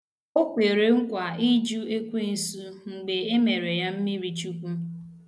O kwere nkwa ịjụ ekwensu mgbe e mere ya mmirichukwu.